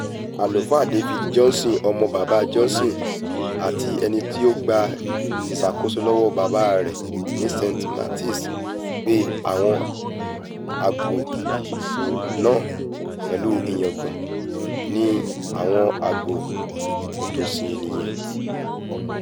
Àlùfáà David Johnson, ọmọ Baba Johnson àti ẹni tí ó gba ìsàkósọ́ lọ́wọ́ baba rẹ̀ ní St. Martin, pe àwọn aago náà, pẹ̀lú ìyangàn, ní ''àwọn aago òtòsi eniyan”.